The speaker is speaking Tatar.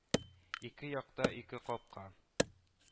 Ике якта ике капка